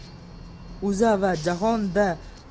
o'za va jahon